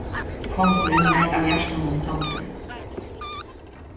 kongurin var av hjartanum samdur